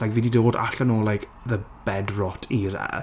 Like fi di dod allan o like the bed rot era.